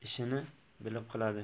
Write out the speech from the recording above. ishini bilib qiladi